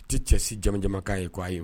I tɛ cɛsijajakan ye' ayi ye